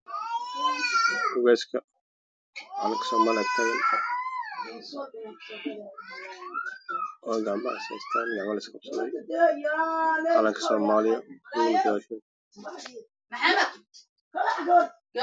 Waa gacmo is heesto waxaa kaloo ii muuqda calanka Somaliya